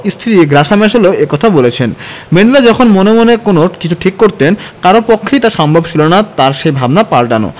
স্ত্রী গ্রাসা ম্যাশেলও এ কথা বলেছেন ম্যান্ডেলা যখন মনে মনে কোনো কিছু ঠিক করতেন কারও পক্ষেই তা সম্ভব ছিল না তাঁর সেই ভাবনা পাল্টানো